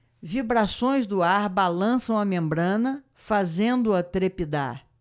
vibrações do ar balançam a membrana fazendo-a trepidar